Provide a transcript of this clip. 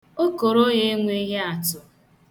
Okoro ya enweghị atụ.